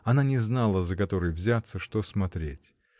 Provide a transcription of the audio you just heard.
Она не знала, за который взяться, что смотреть.